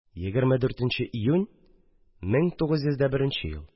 24 нче июнь, 1901 ел